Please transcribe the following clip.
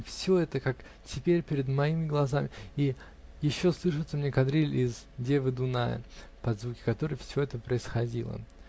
Все это как теперь перед моими глазами, и еще слышится мне кадриль из "Девы Дуная", под звуки которой все это происходило.